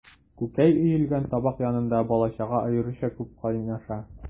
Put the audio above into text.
Күкәй өелгән табак янында бала-чага аеруча күп кайнаша.